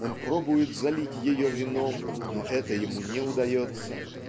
Он пробует залить ее вином, но это ему не удается